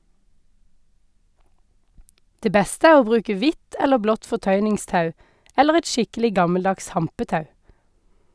Det beste er å bruke hvitt eller blått fortøyningstau eller et skikkelig gammeldags hampetau.